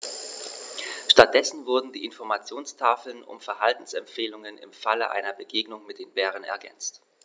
Stattdessen wurden die Informationstafeln um Verhaltensempfehlungen im Falle einer Begegnung mit dem Bären ergänzt.